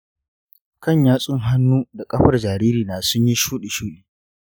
kan yatsun hannu da ƙafar jaririna sun yi shuɗi-shuɗi.